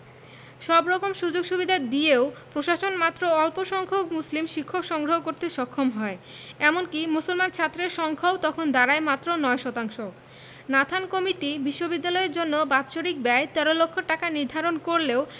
সব রকম সুযোগসুবিধা দিয়েও প্রশাসন মাত্র অল্পসংখ্যক মুসলিম শিক্ষক সংগ্রহ করতে সক্ষম হয় এমনকি মুসলমান ছাত্রের সংখ্যাও তখন দাঁড়ায় মাত্র ৯ শতাংশ নাথান কমিটি বিশ্ববিদ্যালয়ের জন্য বাৎসরিক ব্যয় ১৩ লক্ষ টাকা নির্ধারণ করলেও